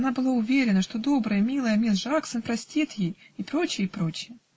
она была уверена, что добрая, милая мисс Жаксон простит ей. и проч. , и проч.